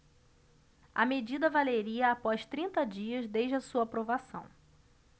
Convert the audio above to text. a medida valeria após trinta dias desde a sua aprovação